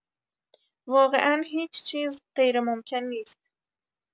واقعا هیچ‌چیز غیرممکن نیست